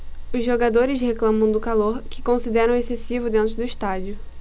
os jogadores reclamam do calor que consideram excessivo dentro do estádio